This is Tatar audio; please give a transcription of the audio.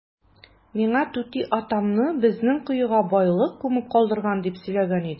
Миңа түти атамны безнең коега байлык күмеп калдырган дип сөйләгән иде.